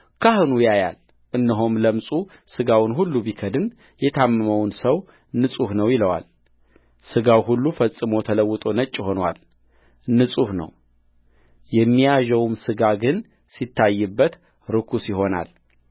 ካህኑ ያያልእነሆም ለምጹ ሥጋውን ሁሉ ቢከድን የታመመውን ሰው ንጹሕ ነው ይለዋል ሥጋው ሁሉ ፈጽሞ ተለውጦ ነጭ ሆኖአል ንጹሕ ነውየሚያዠው ሥጋ ግን ሲታይበት ርኩስ ይሆናል